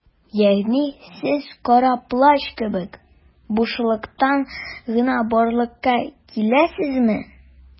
Ягъни сез Кара Плащ кебек - бушлыктан гына барлыкка киләсезме?